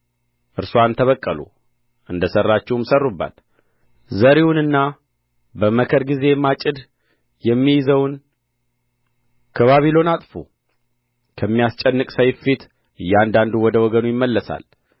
እርስዋን ተበቀሉ እንደ ሠራችውም ሥሩባት ዘሪውንና በመከር ጊዜ ማጭድ የሚይዘውን ከባቢሎን አጥፉ ከሚያስጨንቅ ሰይፍ ፊት እያንዳንዱ ወደ ወገኑ ይመለሳል